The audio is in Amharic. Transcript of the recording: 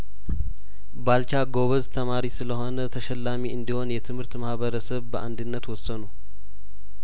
ባልቻ ጐበዝ ተማሪ ስለሆነ ተሸላሚ እንዲሆን የትምህርት ማህበረሰብ በአንድነት ወሰኑ